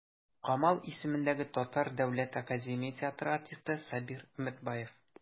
Камал исемендәге Татар дәүләт академия театры артисты Сабир Өметбаев.